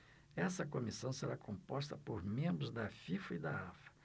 essa comissão será composta por membros da fifa e da afa